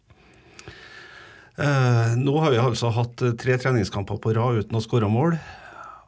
nå har vi altså hatt tre treningskamper på rad uten å score mål.